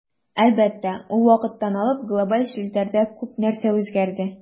Әлбәттә, ул вакыттан алып глобаль челтәрдә күп нәрсә үзгәрде.